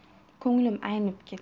ko'nglim aynib ketdi